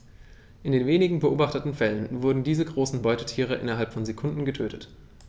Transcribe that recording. In den wenigen beobachteten Fällen wurden diese großen Beutetiere innerhalb von Sekunden getötet.